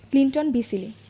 Clinton B Seely